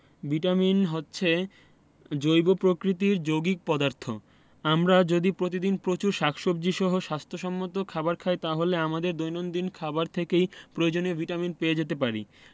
vitamin হচ্ছে জৈব প্রকৃতির যৌগিক পদার্থ আমরা যদি প্রতিদিন প্রচুর শাকসবজী সহ স্বাস্থ্য সম্মত খাবার খাই তাহলে আমাদের দৈনন্দিন খাবার থেকেই প্রয়োজনীয় ভিটামিন পেয়ে যেতে পারি